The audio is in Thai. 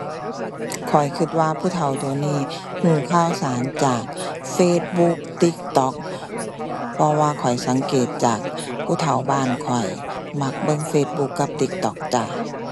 ข้อยคิดว่าผู้เฒ่าเดี๋ยวนี้คิดข่าวสารจาก Facebook TikTok เพราะว่าข้อยสังเกตจากผู้เฒ่าบ้านข้อยมักเบิ่ง Facebook กับ TikTok จ้า